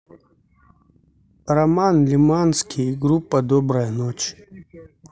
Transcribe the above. роман лиманский и группа добрая ночь